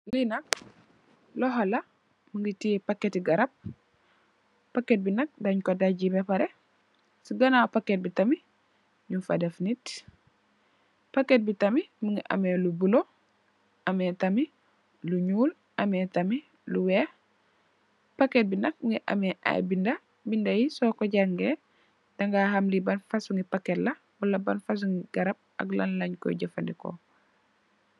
Li nak loxo la mugii teyeh paketti garap, paket bi nak dañ ko dajj be paré ci ganaw paket bi tamit ñing fa def nit, paket bi tamit mugii ameh lu bula ameh tamit lu ñuul ameh tamit lu wèèx packet bi nak mugii ameh ay bindé bindé yu so ko jangèè di ga xam li ban fasung paket la wala ban fasungi garap ak lañ koy jafandiko.